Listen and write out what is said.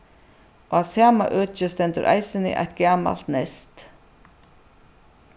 á sama øki stendur eisini eitt gamalt neyst